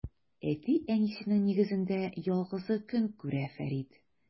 Әти-әнисенең нигезендә ялгызы көн күрә Фәрид.